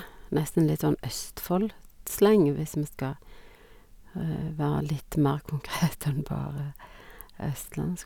Nesten litt sånn Østfoldslang hvis vi skal være litt mer konkret enn bare østlandsk.